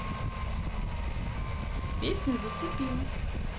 песня зацепила